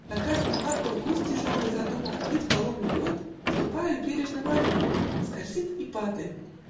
На красных лапках гусь тяжелый, Задумав плыть по лону вод, Ступает бережно на лед, Скользит и падает